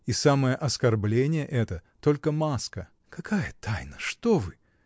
И самое оскорбление это — только маска. — Какая тайна? Что вы!